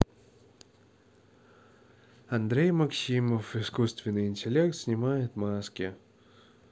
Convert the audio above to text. андрей максимов искусственный интеллект снимает маски